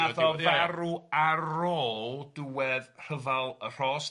...a wnaeth o farw ar ôl dwedd rhyfel y rhos... Na ti.